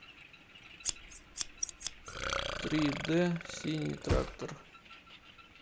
три дэ синий трактор